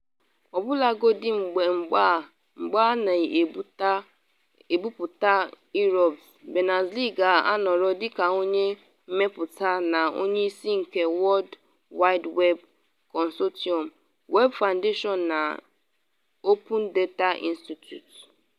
Ọbulagodi mgbe a na-ebuputa Inrupt, Berners-Lee ga-anọrọ dịka onye Mmepụta na Onye Isi nke World Wide Web Consortuim, Web Foundation na Open Data Institute.